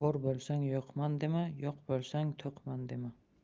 bor bo'lsang yo'qman dema yo'q bo'lsang to'qman dema